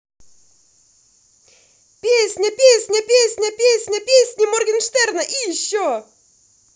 песня песня песня песня песни моргенштерна и еще